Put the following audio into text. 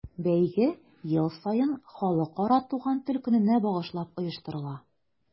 Бәйге ел саен Халыкара туган тел көненә багышлап оештырыла.